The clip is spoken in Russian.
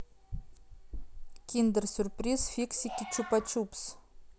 киндер сюрприз фиксики чупа чупс